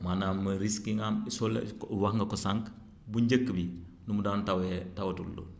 maanaam mooy risques yi nga xam soo leen wax nga ko sànq bu njëkk bi nu mu daan tawee tawatul loolu